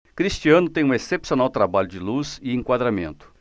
cristiano tem um excepcional trabalho de luz e enquadramento